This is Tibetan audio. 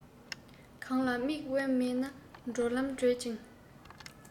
གང ལ དམིགས འབེན མེད ན འགྲོ ལམ བྲལ ཅིང